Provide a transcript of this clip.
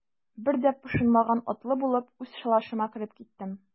Бер дә пошынмаган атлы булып, үз шалашыма кереп киттем.